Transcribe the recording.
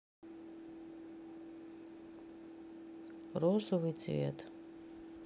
розовый цвет